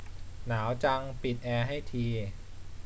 หนาวจังปิดแอร์ให้ที